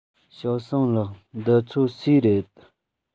ཞའོ སུང ལགས འདི ཚོ སུའི རེད